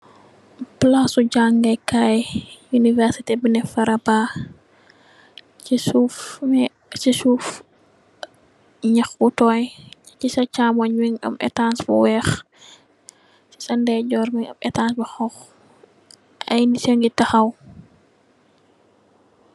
Palasi jangèè kai University bu né Faraba ci suuf ñax gu tooy ci sa camooy mugii am ètas bu wèèx ci sa ndayjoor mugii am ètas bu xonxu ay nit ñu ngi taxaw.